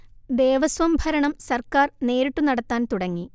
ദേവസ്വം ഭരണം സർക്കാർ നേരിട്ടു നടത്താൻ തുടങ്ങി